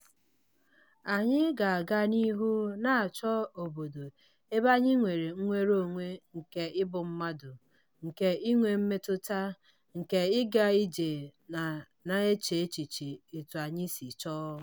Anyị ga-aga n'ihu na-achọ obodo ebe anyị nwere nnwere onwe nke ịbụ mmadụ, nke inwe mmetụta, nke ịga ije na na-eche echiche etu anyị si chọọ.